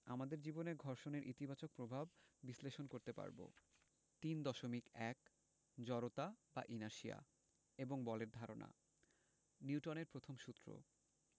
আমাদের জীবনে ঘর্ষণের ইতিবাচক প্রভাব বিশ্লেষণ করতে পারব ৩.১ জড়তা বা ইনারশিয়া এবং বলের ধারণা নিউটনের প্রথম সূত্র